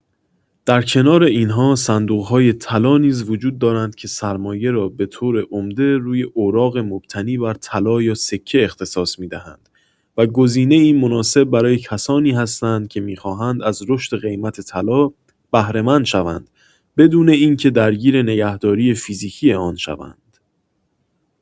در کنار این‌ها صندوق‌های طلا نیز وجود دارند که سرمایه را به‌طور عمده روی اوراق مبتنی بر طلا یا سکه اختصاص می‌دهند و گزینه‌ای مناسب برای کسانی هستند که می‌خواهند از رشد قیمت طلا بهره‌مند شوند بدون اینکه درگیر نگهداری فیزیکی آن شوند.